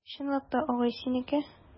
Чынлап та, агай, синеке?